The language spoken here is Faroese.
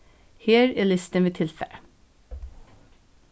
her er listin við tilfari